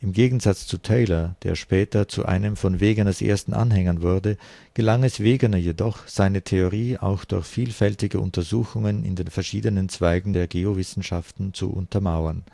Gegensatz zu Taylor (der später zu einem von Wegeners ersten Anhängern wurde) gelang es Wegener jedoch, seine Theorie auch durch vielfältige Untersuchungen in den verschiedenen Zweigen der Geowissenschaften zu untermauern